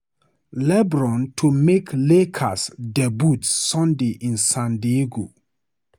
LeBron to make Lakers debut Sunday in San Diego